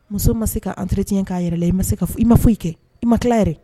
Muso ma se ka'an terirecɲɛ k'a yɛrɛ la i ma se i ma foyi i kɛ i ma tila yɛrɛ